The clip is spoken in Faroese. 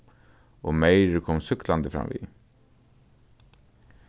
og meyrur komu súkklandi framvið